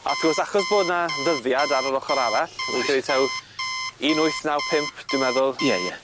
A wrth gwrs achos bo' 'na ddyddiad ar yr ochor arall rwyn credu taw un wyth naw pump dwi'n meddwl. Ie ie.